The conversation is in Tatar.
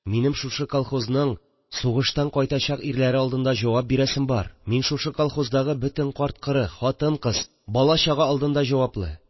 Минем шушы колхозның сугыштан кайтачак ирләре алдында җавап бирәсем бар. Мин шушы колхоздагы бөтен карт-коры, хатын-кыз, бала-чага алдында җаваплы.